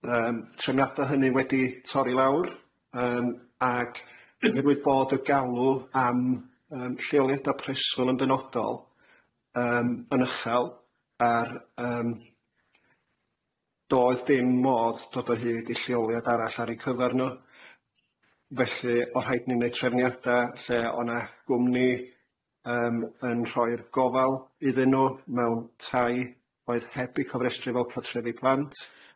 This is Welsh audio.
Yym trefniada hynny wedi torri lawr yym ag digwydd bod y galw am yym lleoliada preswyl yn benodol yym yn uchel a'r yym doedd dim modd dod o hyd i lleoliad arall ar eu cyfar nhw felly o' rhaid ni neud trefniada lle o' na gwmni yym yn rhoi'r gofal iddyn nw mewn tai oedd heb eu cofrestru fel cartrefi plant.